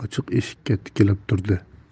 ochiq eshikka tikilib turdi